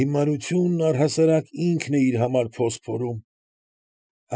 Հիմարությունն առհասարակ ինքն է իր համար փոս փորում։